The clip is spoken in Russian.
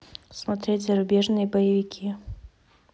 смотреть зарубежные боевики